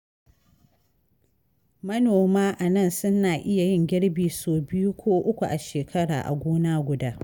Manoma a nan suna iya yin girbi sau biyu ko uku a shekara a gona guda.